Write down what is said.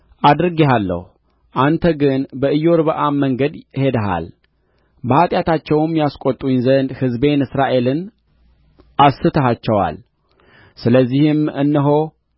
አድርጌሃለሁ አንተ ግን በኢዮርብዓም መንገድ ሄደሃል በኃጢአታቸውም ያስቈጡኝ ዘንድ ሕዝቤን እስራኤልን አስተሃቸዋል ስለዚህም እነሆ